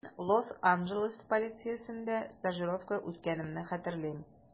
Мин Лос-Анджелес полициясендә стажировка үткәнемне хәтерлим.